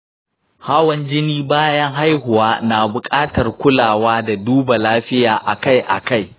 hawan jini bayan haihuwa na bukatar kulawa da duba lafiya akai-akai.